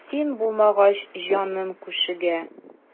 Син булмагач җаным күшегә.